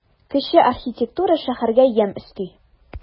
Кече архитектура шәһәргә ямь өсти.